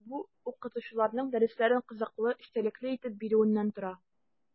Бу – укытучыларның дәресләрен кызыклы, эчтәлекле итеп бирүеннән тора.